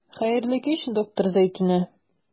Хәерле кич, доктор Зәйтүнә.